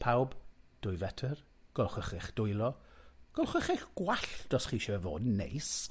Pawb, dwy fetr, golchwch eich dwylo, golchwch eich gwallt, os chi isie fe fod yn neis.